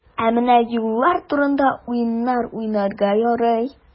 Ә менә юллар турында уеннар уйнарга ярый.